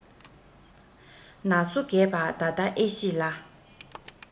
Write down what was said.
ན སོ རྒས པ ད ལྟ ཨེ ཤེས ལ